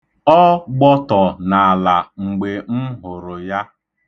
Ọ gbọtọ n'ala mgbe m hụrụ ya.